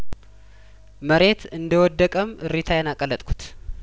መሬት እንደወደቀም እሪታ ዬን አቀ ለጥኩት